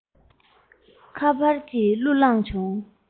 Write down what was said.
ཁ པར གྱིས གླུ བླངས བྱུང